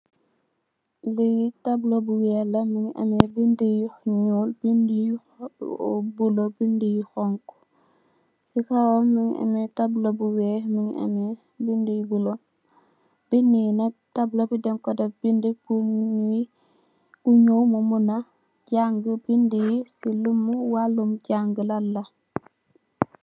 Lee tablo bu weex la muge ameh bede yu nuul bede yu bulo bede yu xonxo se kawam muge ameh tablo bu weex muge ameh bede yu bulo bede ye nak tablo be dang ku def bede pur nuy ku nyaw mu muna janga beda ye se lumuy walum jange lanla.